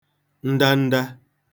ndanda